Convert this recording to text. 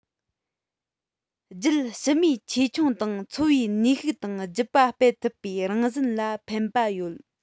རྒྱུད ཕྱི མའི ཆེ ཆུང དང འཚོ བའི ནུས ཤུགས དང རྒྱུད པ སྤེལ ཐུབ པའི རང བཞིན ལ ཕན པ ཡོད